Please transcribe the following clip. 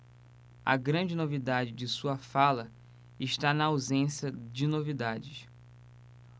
a grande novidade de sua fala está na ausência de novidades